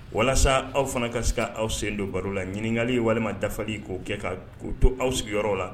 Walasa aw fana ka se aw sen don baro la ɲininkakali ye walima dafali k'o kɛ ka k'o to aw sigiyɔrɔ la